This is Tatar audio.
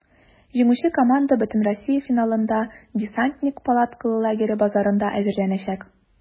Җиңүче команда бөтенроссия финалына "Десантник" палаткалы лагере базасында әзерләнәчәк.